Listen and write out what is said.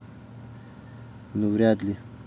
ну вряд ли